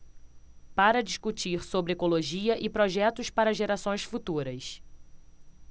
para discutir sobre ecologia e projetos para gerações futuras